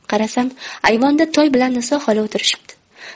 qarasam ayvonda toy bilan niso xola o'tirishibdi